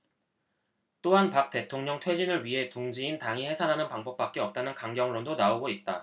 또한 박 대통령 퇴진을 위해 둥지인 당이 해산하는 방법밖에 없다는 강경론도 나오고 있다